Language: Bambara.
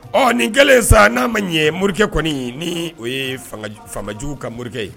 Ɔ nin kɛlen sisan n'a ma ye morikɛ kɔni ni o yejugu ka morikɛ ye